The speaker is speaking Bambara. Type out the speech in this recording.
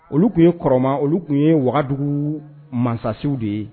Olu tun ye kɔrɔma olu tun ye wagadu mansasiww de ye